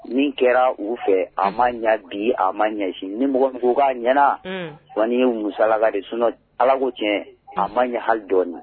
Min kɛra u fɛ a ma ɲɛ bi, a ma ɲɛ sini, ni mɔgɔ min ko k'a ɲɛna, un, fɔ ni ye wulu saraka de, sinon Ala ko tiɲɛ, a ma ɲɛ hali dɔɔnin.